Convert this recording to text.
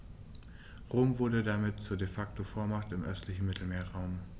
Rom wurde damit zur ‚De-Facto-Vormacht‘ im östlichen Mittelmeerraum.